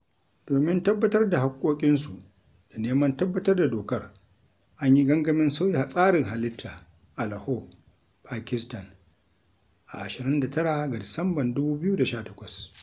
Domin tabbatar da haƙƙoƙinsu da neman tabbatar da dokar, an yi gangamin sauya tsarin halitta a Lahore, Pakistan, a 29 ga Disamban 2018.